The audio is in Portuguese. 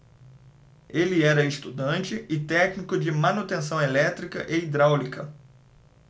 ele era estudante e técnico de manutenção elétrica e hidráulica